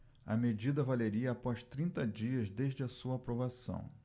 a medida valeria após trinta dias desde a sua aprovação